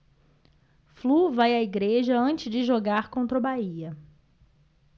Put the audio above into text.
flu vai à igreja antes de jogar contra o bahia